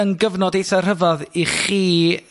...yn gyfnod eitha rhyfadd i chi...